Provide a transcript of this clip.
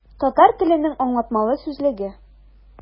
Татар теленең аңлатмалы сүзлеге.